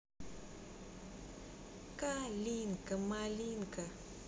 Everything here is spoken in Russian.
калинка малинка